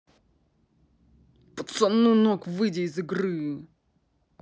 пацану ног выйди из игры